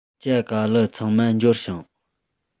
ཇ ག ལི ཚང མ འབྱོར བྱུང